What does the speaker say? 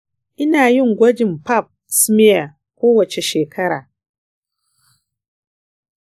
ina yin gwajin pap smear kowace shekara.